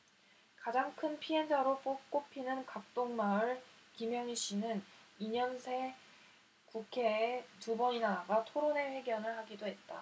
가장 큰 피해자로 꼽히는 각동마을 김영희씨는 이 년 새 국회에 두 번이나 나가 토론회 회견을 하기도 했다